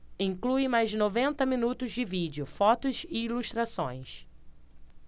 inclui mais de noventa minutos de vídeo fotos e ilustrações